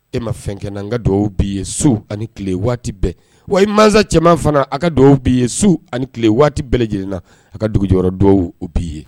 E ma fɛn kɛ an ka dugawu b bii ye su ani tile waati bɛɛ wa mansa cɛman fana a ka dɔw b bii ye su ani tile waati bɛɛ lajɛlenna a ka dugu jɔyɔrɔ dɔw o b'i ye